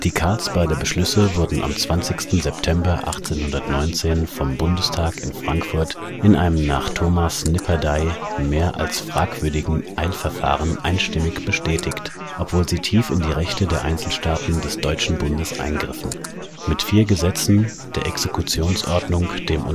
Karlsbader Beschlüsse wurden am 20. September 1819 vom Bundestag in Frankfurt in einem nach Thomas Nipperdey „ mehr als fragwürdigen Eilverfahren “einstimmig bestätigt, obwohl sie tief in die Rechte der Einzelstaaten des Deutschen Bundes eingriffen. Mit vier Gesetzen, der Exekutionsordnung, dem